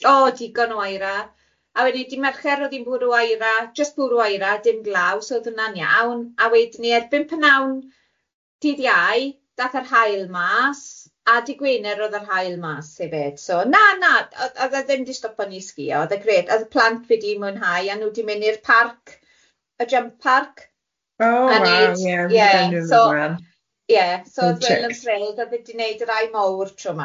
Oh digon o aira a wedyn di Mercher oedd hi'n bwrw aira jyst bwrw aira dim glaw so oedd hwnna'n iawn a wedyn erbyn pnawn dydd Iau dath yr haul mas, a dy Gwener oedd yr haul mas hefyd so na na oedd oedd e ddim wedi stopo i ni sgïo oedd e'n grêt oedd y plant di mwynhau a nhw wedi mynd i'r parc, y jump park... o waw ie a neud trics ie ...so ie so oedd fel yn thrill oedd e wedi wneud y rhai mowr tro yma.